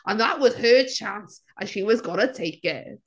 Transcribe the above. And that was her chance and she was gonna take it.